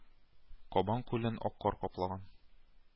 Кабан күлен ак кар каплаган